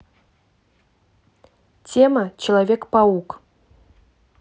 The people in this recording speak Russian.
тема человек паук